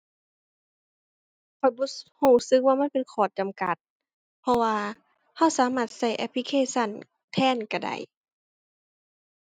ข้อยบ่ รู้สึกว่ามันเป็นข้อจำกัด เพราะว่ารู้สามารถรู้แอปพลิเคชันแทนรู้ได้